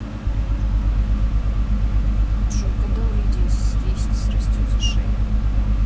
джой когда у лидии есть срастется шея